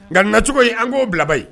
Nga nacogo in an ko bila ba in.